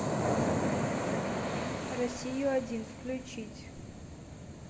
россию один включить